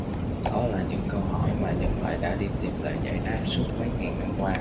đó là những câu hỏi mà nhân loại đã đi tìm lời giải đáp suốt mấy ngàn năm qua